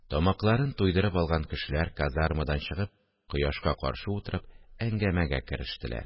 Тамакларын туйдырып алган кешеләр, казармадан чыгып, кояшка каршы утырып, әңгәмәгә керештеләр